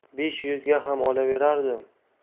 besh yuzga ham olaverardim